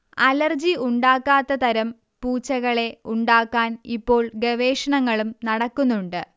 allergy ഉണ്ടാക്കാത്തതരം പൂച്ചകളെ ഉണ്ടാക്കാൻ ഇപ്പോൾ ഗവേഷണങ്ങളും നടക്കുന്നുണ്ട്